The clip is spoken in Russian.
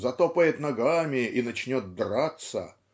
затопает ногами и начнет драться